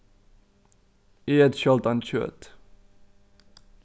eg eti sjáldan kjøt